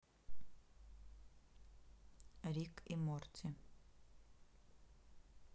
рик и морти